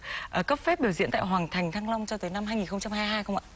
cấp phép biểu diễn tại hoàng thành thăng long cho tới năm hai nghìn không trăm hai hai không ạ